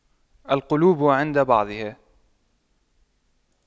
القلوب عند بعضها